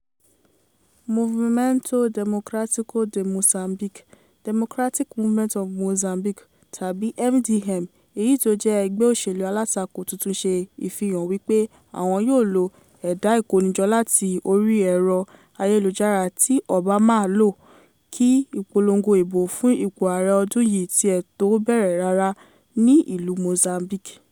Movimento Democrático de Moçambique (Democratic Movement of Mozambique, or MDM) èyí tó jẹ́ ẹgbẹ́ òṣèlú alátakò tuntun ṣe ìfihàn wipe àwọn yóò lo ẹ̀da ìkónijọ láti orí ẹ̀rọ ayélujára tí “Obama” lò kí ìpolongo ìbò fún ipò Aàre ọ́dún yìí tiẹ̀ tó bẹ̀rẹ̀ rárá ní ìlu Mozambique